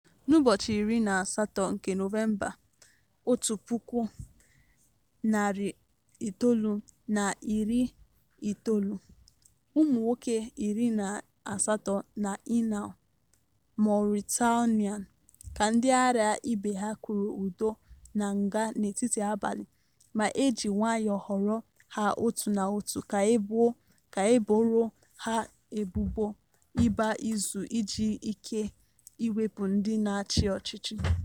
N'ụbọchị 28 nke Nọvemba, 1990, ụmụnwoke 28 na Inal, Mauritania, ka ndị agha ibe ha kwụrụ ụdọ na nga n'etiti abalị, ma e ji nwayọọ họrọ ha otu na otu ka e gbuo, ka e boro ha ebubo ịgba izu iji ike iwepụ ndị na-achị ọchịchị.